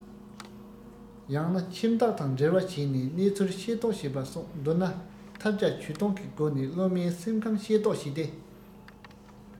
ཡང ན ཁྱིམ བདག དང འབྲེལ བ བྱས ནས གནས ཚུལ ཤེས རྟོགས བྱེད པ སོགས མདོར ན ཐབས བརྒྱ ཇུས སྟོང གི སྒོ ནས སློབ མའི སེམས ཁམས ཤེས རྟོགས བྱས ཏེ